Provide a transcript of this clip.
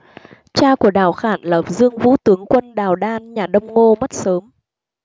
cha của đào khản là dương vũ tướng quân đào đan nhà đông ngô mất sớm